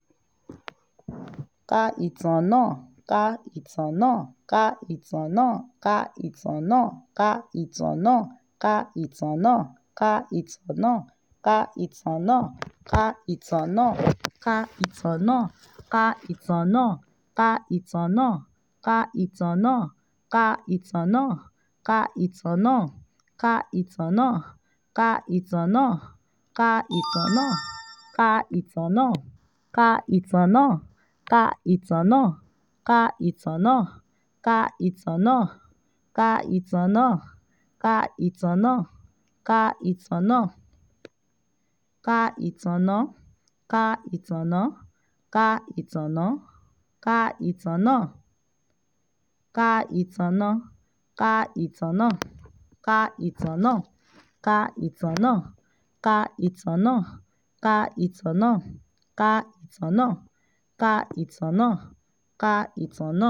Ka Ìtàna